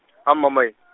aMamai- .